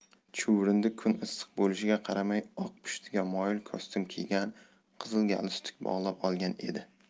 chuvrindi kun issiq bo'lishiga qaramay oq pushtiga moyil kostyum kiygan qizil galstuk bog'lab olgan edi